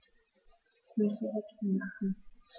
Ich möchte Häppchen machen.